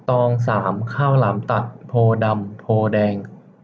ตองสามข้าวหลามตัดโพธิ์ดำโพธิ์แดง